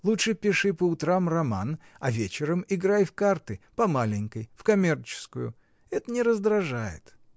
Лучше пиши по утрам роман, а вечером играй в карты: по маленькой, в коммерческую. это не раздражает.